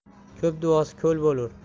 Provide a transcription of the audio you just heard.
ko'p duosi ko'l bo'lur